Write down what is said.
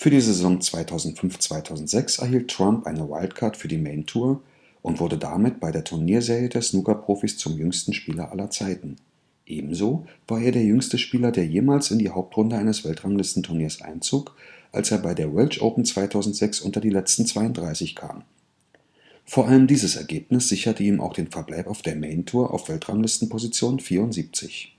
die Saison 2005/06 erhielt Trump eine Wildcard für die Main Tour und wurde damit bei der Turnierserie der Snookerprofis zum jüngsten Spieler aller Zeiten. Ebenso war er der jüngste Spieler, der jemals in die Hauptrunde eines Weltranglistenturniers einzog, als er bei den Welsh Open 2006 unter die letzten 32 kam. Vor allem dieses Ergebnis sicherte ihm auch den Verbleib auf der Main Tour auf Weltranglistenposition 74.